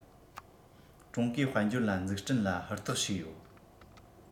ཀྲུང གོའི དཔལ འབྱོར ལ འཛུགས སྐྲུན ལ ཧུར ཐག ཞུགས ཡོད